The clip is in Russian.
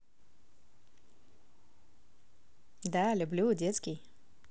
да люблю детский